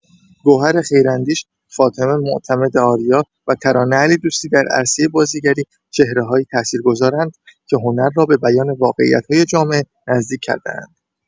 گوهر خیراندیش، فاطمه معتمدآریا و ترانه علیدوستی در عرصه بازیگری چهره‌هایی تاثیرگذارند که هنر را به بیان واقعیت‌های جامعه نزدیک کرده‌اند.